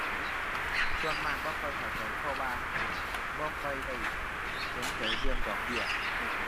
ส่วนมากบ่ค่อยเข้าใจ เพราะว่าบ่ค่อยได้สนใจเรื่องดอกเบี้ย